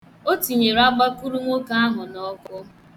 O tinyere agbakụrụnwoke ahụ n'ọkụ.